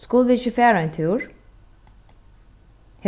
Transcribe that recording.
skulu vit ikki fara ein túr